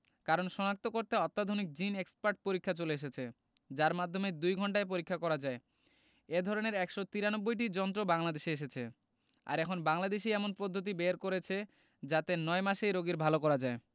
কারণ শনাক্ত করতে অত্যাধুনিক জিন এক্সপার্ট পরীক্ষা চলে এসেছে যার মাধ্যমে দুই ঘণ্টায় পরীক্ষা করা যায় এ ধরনের ১৯৩টি যন্ত্র বাংলাদেশে এসেছে আর এখন বাংলাদেশই এমন পদ্ধতি বের করেছে যাতে ৯ মাসেই রোগীর ভালো করা যায়